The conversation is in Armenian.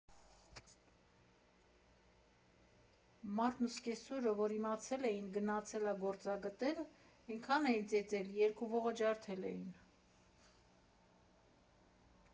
Մարդն ու սկսեսուրը որ իմացել էին՝ գնացել ա գործ ա գտել, էնքան էին ծեծել՝ երկու ողը ջարդել էին։